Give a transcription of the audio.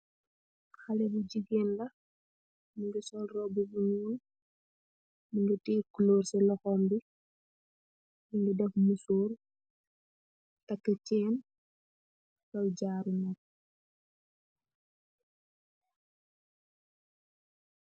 haleh bu jigeen bu sol yehreh bu nyeoul eh tiyeh fuloor.